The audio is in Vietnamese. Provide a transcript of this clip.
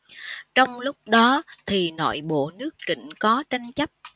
trong lúc đó thì nội bộ nước trịnh có tranh chấp